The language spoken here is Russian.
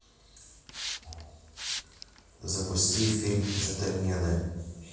запусти фильм джентльмены